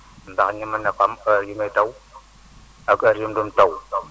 ndax ñu mën a xam heure yu muy taw ak heure yu mu dul taw